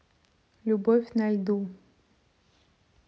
любовь на льду